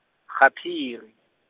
Gaphiri.